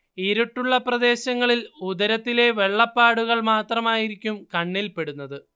ഇരുട്ടുള്ള പ്രദേശങ്ങളിൽ ഉദരത്തിലെ വെള്ളപ്പാടുകൾ മാത്രമായിരിക്കും കണ്ണിൽപ്പെടുന്നത്